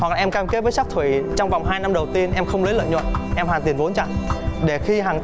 hoặc là em cam kết với sắc thủy trong vòng hai năm đầu tiên em không lấy lợi nhuận em hoàn tiền vốn cho để khi